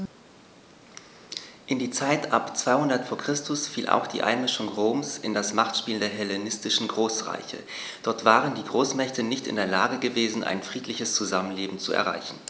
In die Zeit ab 200 v. Chr. fiel auch die Einmischung Roms in das Machtspiel der hellenistischen Großreiche: Dort waren die Großmächte nicht in der Lage gewesen, ein friedliches Zusammenleben zu erreichen.